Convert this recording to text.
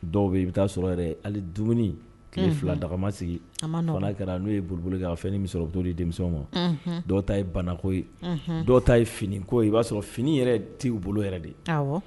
Dɔw bɛ i bɛ taa sɔrɔ yɛrɛ hali dumuni fila dagama sigi kɛra n'o ye bolobolo kan a fɛn ni musokɔrɔba sɔrɔto ye denmisɛnw ma dɔw ta ye banako ye dɔw ta ye finiko ye i b'a sɔrɔ fini yɛrɛ t' bolo yɛrɛ de